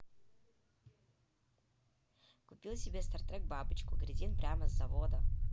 купил себе стартрек бабочку градиент прямо с завода